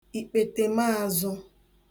ìkpètèmaāzụ̄